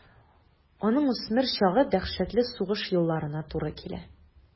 Аның үсмер чагы дәһшәтле сугыш елларына туры килә.